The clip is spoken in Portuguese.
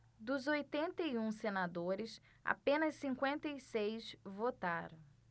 dos oitenta e um senadores apenas cinquenta e seis votaram